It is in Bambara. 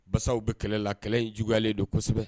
Basaw bɛ kɛlɛ la, kɛlɛ in juguyalen de kosɛbɛ.